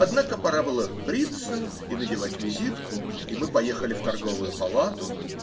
Однако пора было бриться и надевать визитку, и мы поехали в торговую палату.